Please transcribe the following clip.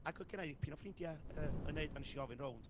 Ac oedd gynna i dipyn o ffrindiau yy yn wneud a wnes i ofyn rownd